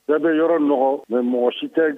Bɛɛ bɛ yɔrɔɔgɔn mɛ mɔgɔ si tɛ